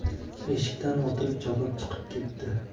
eshikdan otilib chopib chiqib ketdi